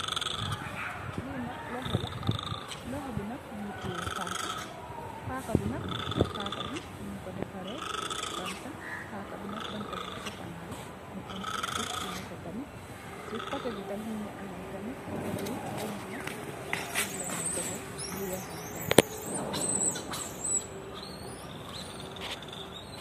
Lii nak lokhor la, lokhor bii nak mungy tiyeh pakah, pakah bii nak pakah bii njung kor defareh bantah, pakah bii nak bantah bii bu chocolat la, mungy am tub tub yu nehteh tamit, cii coteh bii tamit mungy ameh tamit weungh, weungh bii nak bobu leh njoi dohgeh, bu wekh la tamit.